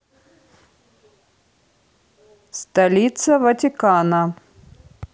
столица ватикана